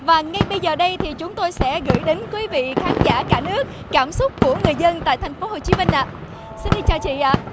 và ngay bây giờ đây thì chúng tôi sẽ gửi đến quý vị khán giả cả nước cảm xúc của người dân tại thành phố hồ chí minh ạ xin chào chị ạ